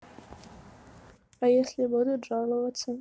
а если будут жаловаться